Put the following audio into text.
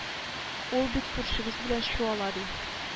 Ул бит күршегез белән чуала ди